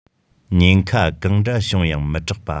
ཉེན ཁ གང འདྲ བྱུང ཡང མི སྐྲག པ